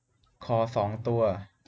ขอสองตัว